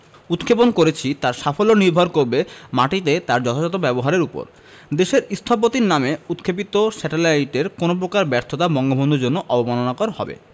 উৎক্ষেপণ করেছি তার সাফল্য নির্ভর করবে মাটিতে তার যথাযথ ব্যবহারের ওপর দেশের স্থপতির নামে উৎক্ষেপিত স্যাটেলাইটের কোনো প্রকারের ব্যর্থতা বঙ্গবন্ধুর জন্য অবমাননাকর হবে